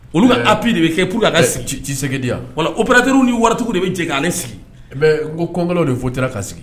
Olu bɛ a ppi de bɛ kɛ p ka sigi cisɛ di yan wa o pter ni waratigiw de bɛ cɛ k' ale sigi ko kɔn de fotura ka sigi